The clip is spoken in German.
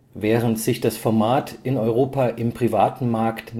Während sich das Format in Europa im privaten Markt